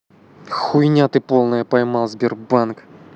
хуйня ты полная поймал сбербанк